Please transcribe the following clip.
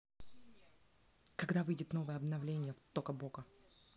когда выйдет новое обновление в тока бока